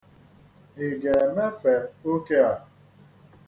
I ga-emefe oke a?